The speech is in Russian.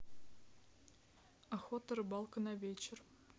охота рыбалка на вечер